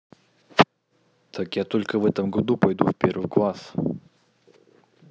так я только в этом году пойду в первый класс